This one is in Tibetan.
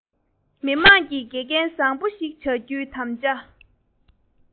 མི དམངས ཀྱི དགེ རྒན བཟང པོ ཞིག བྱ རྒྱུའི དམ བཅའ